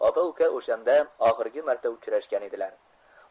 opa uka o'shanda oxirgi marta uchrashgan edilar